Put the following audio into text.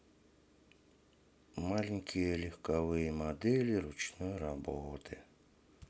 маленькие легковые модели ручной работы